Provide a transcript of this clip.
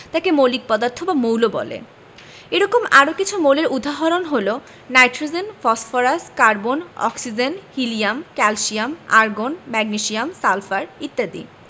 তাকে মৌলিক পদার্থ বা মৌল বলে এরকম আরও কিছু মৌলের উদাহরণ হলো nitrogen phosphorus carbon oxygen helium calcium argon magnesium sulphur ইত্যাদি